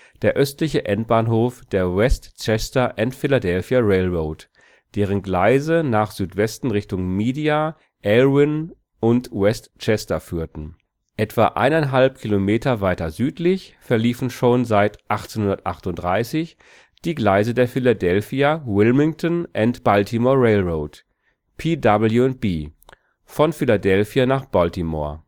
der östliche Endbahnhof der West Chester and Philadelphia Railroad, deren Gleise nach Südwesten Richtung Media, Elwyn und West Chester führten. Etwa eineinhalb Kilometer weiter südlich verliefen schon seit 1838 die Gleise der Philadelphia, Wilmington and Baltimore Railroad (PW&B) von Philadelphia nach Baltimore